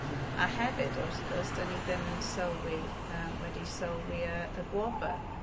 A hefyd wrth gwrs 'dyn ni ddim yn sylwi... yy wedi sylwi y gwobr.